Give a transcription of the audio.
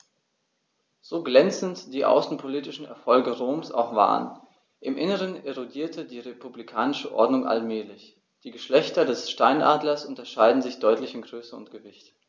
So glänzend die außenpolitischen Erfolge Roms auch waren: Im Inneren erodierte die republikanische Ordnung allmählich. Die Geschlechter des Steinadlers unterscheiden sich deutlich in Größe und Gewicht.